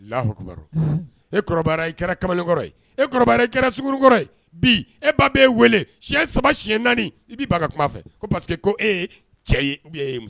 E kɛra kamalen kɔrɔ e kɛra kɔrɔ ye bi e ba bɛ e weele siyɛn saba si naani i' ka kuma fɛ ko e ye cɛ e muso